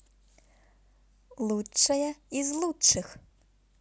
лучшие из лучших